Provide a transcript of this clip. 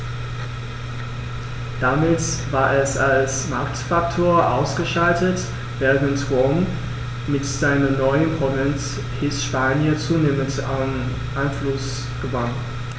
Damit war es als Machtfaktor ausgeschaltet, während Rom mit seiner neuen Provinz Hispanien zunehmend an Einfluss gewann.